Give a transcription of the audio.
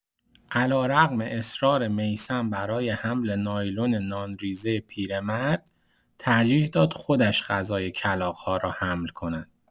علی‌رغم اصرار میثم برای حمل نایلون نان‌ریزه پیرمرد، ترجیح داد خودش غذای کلاغ‌ها را حمل کند.